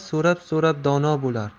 so'rab so'rab dono bo'lar